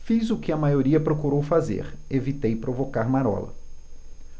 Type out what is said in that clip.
fiz o que a maioria procurou fazer evitei provocar marola